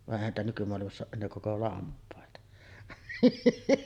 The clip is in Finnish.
vaan eihän niitä nykymaailmassa ole enää koko lampaita